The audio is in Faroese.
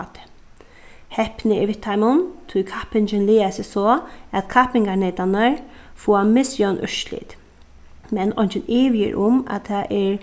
báti hepnið er við teimum tí kappingin lagaði seg so at kappingarneytarnir fáa misjøvn úrslit men eingin ivi er um at tað er